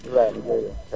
Ibrahima jërëjëf *